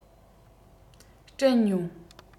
དྲན མྱོང